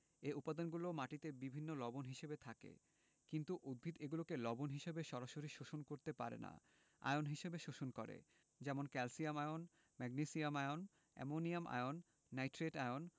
এ উপাদানগুলো মাটিতে বিভিন্ন লবণ হিসেবে থাকে কিন্তু উদ্ভিদ এগুলোকে লবণ হিসেবে সরাসরি শোষণ করতে পারে না আয়ন হিসেবে শোষণ করে যেমন calcium ion magnesium ion ammonium ion nitrate ion